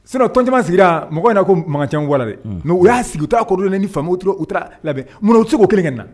S tɔnon caman sigira mɔgɔ in na ko makan ca wala dɛ mɛ u y'a sigi u taa ko ni fa tora u labɛn mun u cogo'o kelen kɛ na